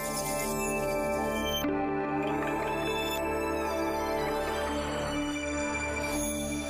San